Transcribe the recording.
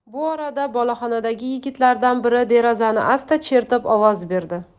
bu orada boloxonadagi yigitlardan biri derazani asta chertib ovoz berdi